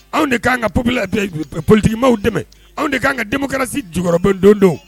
Anw de k'an ka poli politigikima dɛmɛ anw de k' kan ka denmusokarasi jukɔrɔdon don